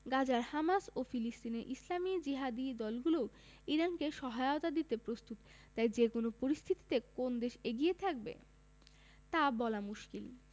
গাজার হামাস ও ফিলিস্তিনের ইসলামি জিহাদি দলগুলোও ইরানকে সহায়তা দিতে প্রস্তুত তাই যেকোনো পরিস্থিতিতে কোন দেশ এগিয়ে থাকবে তা বলা মুশকিল